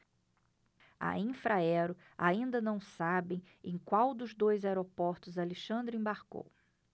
a infraero ainda não sabe em qual dos dois aeroportos alexandre embarcou